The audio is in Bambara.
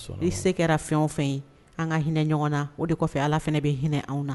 Ni se kɛra fɛn o fɛn ye an ka hinɛ ɲɔgɔn na o de kɔfɛ ala fana bɛ hinɛ anw na.